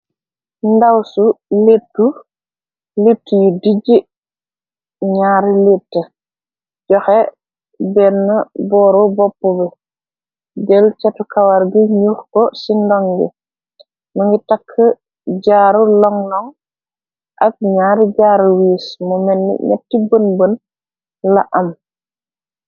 Ndawsu litu litti yi dijji ñyaari litte joxe benn booru bopp bi dél catu kawar bi njuux ko ci ndon gi mu ngi takk jaaru long long ak ñyaari jaaru lwiis mu menn netti bën bën la am.